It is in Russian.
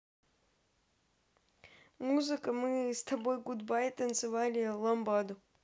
музыка мы с тобой гудбай танцевали ламбаду